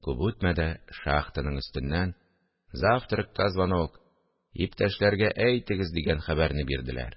Күп тә үтмәде, шахтаның өстеннән: – Завтракка звонок! Иптәшләргә әйтегез! – дигән хәбәрне бирделәр